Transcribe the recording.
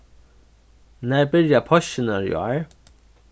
nær byrja páskirnar í ár